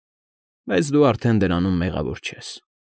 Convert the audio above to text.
Բայց դու արդեն դրանում մեղավոր չես»։